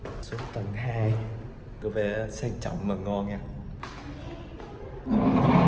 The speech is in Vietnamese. xuống tầng hai có vẻ sang trọng mà ngon ha